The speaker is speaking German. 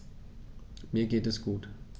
Mir geht es gut.